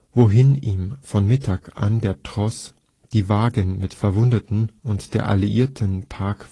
wohin ihm von Mittag an der Tross, die Wagen mit Verwundeten und der Artilleriepark folgten